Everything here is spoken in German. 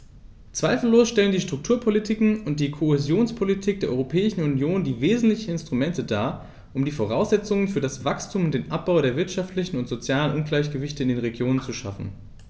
Zweifellos stellen die Strukturpolitiken und die Kohäsionspolitik der Europäischen Union die wesentlichen Instrumente dar, um die Voraussetzungen für das Wachstum und den Abbau der wirtschaftlichen und sozialen Ungleichgewichte in den Regionen zu schaffen.